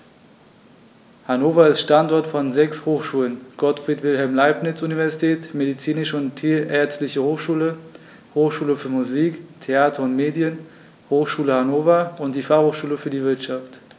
Hannover ist Standort von sechs Hochschulen: Gottfried Wilhelm Leibniz Universität, Medizinische und Tierärztliche Hochschule, Hochschule für Musik, Theater und Medien, Hochschule Hannover und die Fachhochschule für die Wirtschaft.